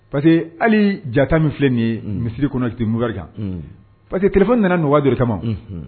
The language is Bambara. Pace que hali jata min filɛ nin ye misiri kɔnɔ k'i to minbar kan pa rce que telephone nana nɔgɔya dɔ de kama